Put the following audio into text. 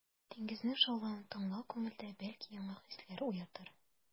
Диңгезнең шаулавын тыңлау күңелдә, бәлки, яңа хисләр уятыр.